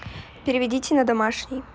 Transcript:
переведите на домашний